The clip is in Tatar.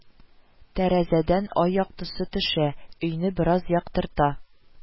Тәрәзәдән ай яктысы төшә, өйне бераз яктырта